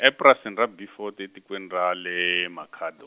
epurasini ra Beaufort, e tikweni ra le Makhado.